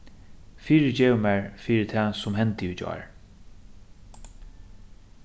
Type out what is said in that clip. fyrigev mær fyri tað sum hendi í gjár